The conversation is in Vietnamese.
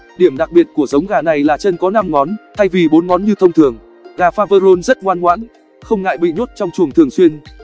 điểm đặc biệt của giống gà này là chân có ngón thay vì ngón như thông thường gà faverolle rất ngoan ngoãn không ngại bị nhốt trong chuồng thường xuyên